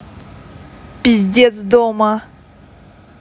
пиздец дома